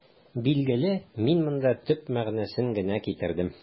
Билгеле, мин монда төп мәгънәсен генә китердем.